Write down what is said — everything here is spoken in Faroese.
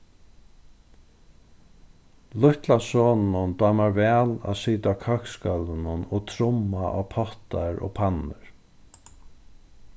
lítla soninum dámar væl at sita á køksgólvinum og trumma á pottar og pannur